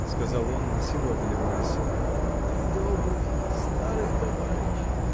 — сказал он, насилу одолевая себя. — Ты добрый, старый товарищ.